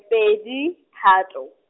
pedi thato.